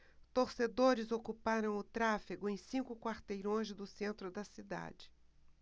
torcedores ocuparam o tráfego em cinco quarteirões do centro da cidade